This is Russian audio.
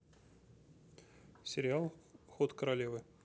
сериал ход королевы